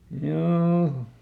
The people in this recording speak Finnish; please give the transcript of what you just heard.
joo